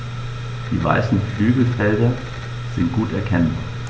Die weißen Flügelfelder sind gut erkennbar.